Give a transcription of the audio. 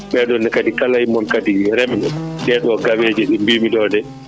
ɓeɗonne kadi kala e moon kadi reemɓe ɗeɗo gaweje ɗe mbimi ɗoɗe